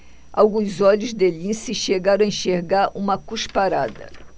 alguns olhos de lince chegaram a enxergar uma cusparada